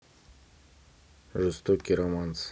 жестокий романс